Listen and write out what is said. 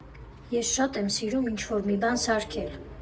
Ես շատ եմ սիրում ինչ֊որ մի բան սարքել։